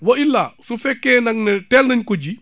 wa illah su fekkee nag ne teel nañ ko ji